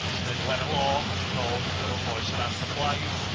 Wnes i neud lefel O nôl yn ro- oes yr arth a'r blaidd.